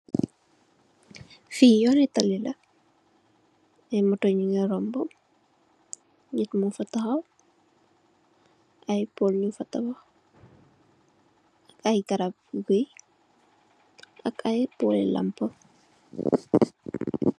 Fee yoone talih la aye motou nuge rombu neet mugfa tahaw aye pole nugfa tegu aye ak aye garab be ak aye pole lampu.